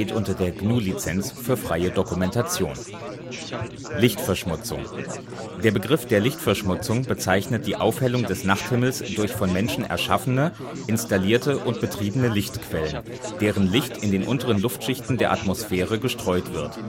unter der GNU Lizenz für freie Dokumentation. Die Erde bei Nacht 2007 (Kompositaufnahme aus Satellitenbildern) Der Begriff der Lichtverschmutzung bezeichnet die Aufhellung des Nachthimmels durch von Menschen erschaffene, installierte und betriebene Lichtquellen, deren Licht in den unteren Luftschichten der Atmosphäre gestreut wird